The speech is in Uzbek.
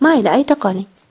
mayli ayta qoling